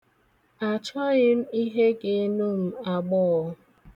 Achọghị m ihe ga-enu m agbọọ.